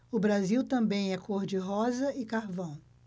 o brasil também é cor de rosa e carvão